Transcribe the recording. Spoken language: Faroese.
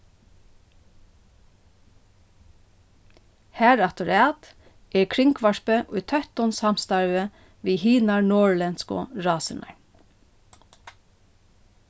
harafturat er kringvarpið í tøttum samstarvi við hinar norðurlendsku rásirnar